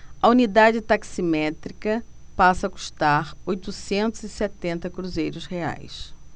a unidade taximétrica passa a custar oitocentos e setenta cruzeiros reais